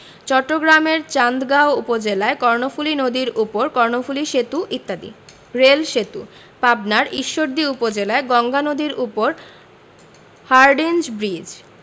চট্টগ্রামের চান্দগাঁও উপজেলায় কর্ণফুলি নদীর উপর কর্ণফুলি সেতু ইত্যাদি রেল সেতুঃ পাবনার ঈশ্বরদী উপজেলায় গঙ্গা নদীর উপর হার্ডিঞ্জ ব্রিজ